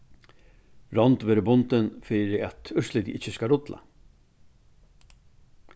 rond verður bundin fyri at úrslitið ikki skal rulla